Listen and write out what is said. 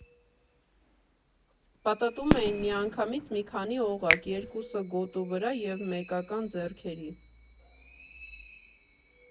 Պտտում էին միանգամից մի քանի օղակ՝ երկուսը գոտու վրա և մեկական՝ ձեռքերի։